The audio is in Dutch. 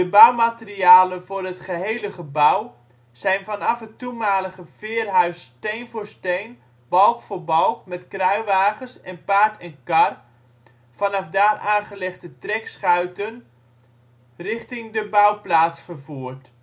bouwmaterialen voor het gehele gebouw zijn vanaf het toenmalige veerhuis steen voor steen, balk voor balk met kruiwagens en paard en kar, vanaf daar aangelegde trekschuiten richting de bouwplaats vervoerd